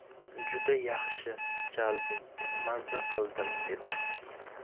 juda yaxshi chalding mazza qildim dedi